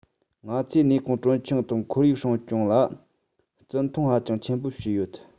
ང ཚོས ནུས ཁུངས གྲོན ཆུང དང ཁོར ཡུག སྲུང སྐྱོང ལ བརྩི མཐོང ཧ ཅང ཆེན པོ བྱས ཡོད